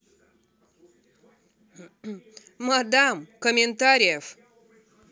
мадам комментариев